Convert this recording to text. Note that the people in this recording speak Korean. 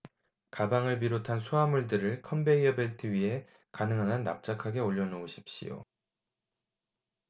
가방을 비롯한 수하물들을 컨베이어 벨트 위에 가능한 한 납작하게 올려놓으십시오